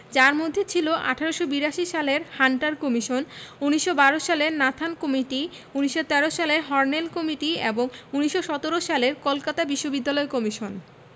যার মধ্যে ছিল ১৮৮২ সালের হান্টার কমিশন ১৯১২ সালের নাথান কমিটি ১৯১৩ সালের হর্নেল কমিটি এবং ১৯১৭ সালের কলকাতা বিশ্ববিদ্যালয় কমিশন